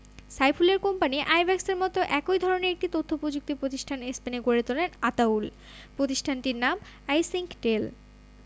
সাইফুলের কোম্পানি আইব্যাকসের মতো একই ধরনের একটি তথ্যপ্রযুক্তি প্রতিষ্ঠান স্পেনে গড়ে তোলেন আতাউল প্রতিষ্ঠানটির নাম আইসিংকটেল